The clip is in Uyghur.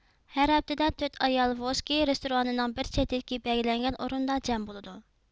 ھەر ھەپتىدە تۆت ئايال ۋوسگىي رېستورانىنىڭ بىر چېتىدىكى بەلگىلەنگەن ئورۇندا جەم بولىدۇ